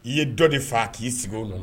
I ye dɔ de faa k'i sigi o la